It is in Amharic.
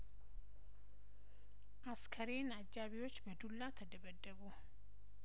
አስከሬን አጃቢዎች በዱላ ተደበደቡ